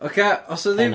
Oce os 'na ddim...